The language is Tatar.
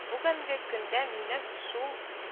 Үгенге көндә мине шул